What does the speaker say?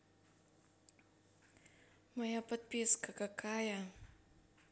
моя подписка какая